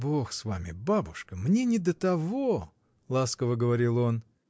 — Бог с вами, бабушка: мне не до того! — ласково говорил он.